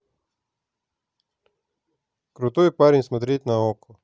крутой парень смотреть на окко